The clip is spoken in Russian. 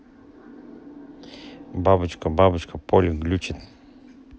бабочка бабочка поле глючит